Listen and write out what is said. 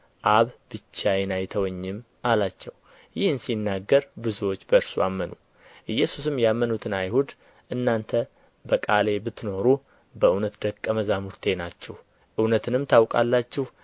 አብ ብቻዬን አይተወኝም አላቸው ይህን ሲናገር ብዙዎች በእርሱ አመኑ ኢየሱስም ያመኑትን አይሁድ እናንተ በቃሌ ብትኖሩ በእውነት ደቀ መዛሙርቴ ናችሁ እውነትንም ታውቃላችሁ